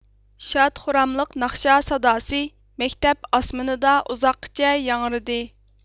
شاد خۇراملىق ناخشا ساداسى مەكتەپ ئاسمىنىدا ئۇزاققىچە ياڭرىدى